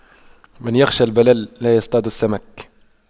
من يخشى البلل لا يصطاد السمك